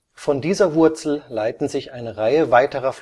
Von dieser Wurzel leiten sich eine Reihe weiterer